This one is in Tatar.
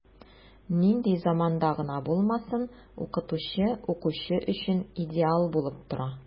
Нинди заманда гына булмасын, укытучы укучы өчен идеал булып тора.